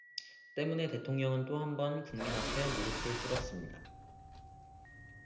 때문에 대통령은 또 한 번 국민 앞에 무릎을 꿇었습니다